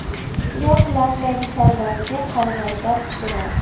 goh lavlagi sharbatiga holvaytar pishiradi